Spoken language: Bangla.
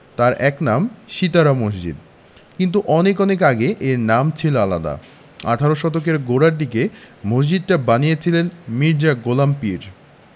তাই এর নাম সিতারা মসজিদ কিন্তু অনেক অনেক আগে এর নাম ছিল আলাদা আঠারো শতকের গোড়ার দিকে মসজিদটা বানিয়েছিলেন মির্জা গোলাম পীর